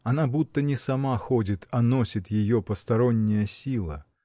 Она будто не сама ходит, а носит ее посторонняя сила.